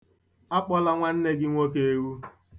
Akpọla nwanne gị nwoke ewu!